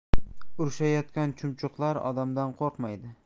urushayotgan chumchuqlar odamdan qo'rqmaydi